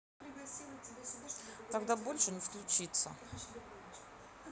тогда больше не включиться